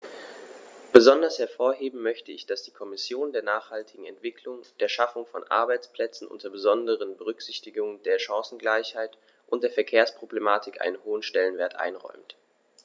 Besonders hervorheben möchte ich, dass die Kommission der nachhaltigen Entwicklung, der Schaffung von Arbeitsplätzen unter besonderer Berücksichtigung der Chancengleichheit und der Verkehrsproblematik einen hohen Stellenwert einräumt.